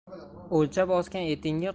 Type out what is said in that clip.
o'lchab osgan etingga